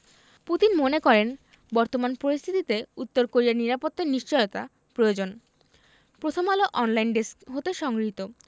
Putin মনে করেন বর্তমান পরিস্থিতিতে উত্তর কোরিয়ার নিরাপত্তার নিশ্চয়তা প্রয়োজন প্রথমআলোর অনলাইন ডেস্ক হতে সংগৃহীত